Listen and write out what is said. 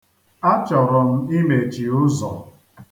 A chọrọ m imechi ụzọ.